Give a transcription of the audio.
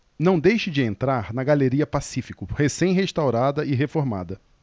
não deixe de entrar na galeria pacífico recém restaurada e reformada